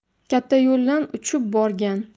katta yo'ldan uchib borgan